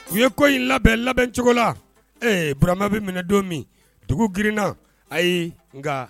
U ye ko in labɛn labɛn cogo la, ee Burama bɛ minɛ don min, dugu girinna ayi nka